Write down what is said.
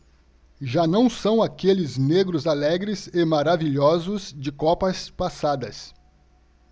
já não são aqueles negros alegres e maravilhosos de copas passadas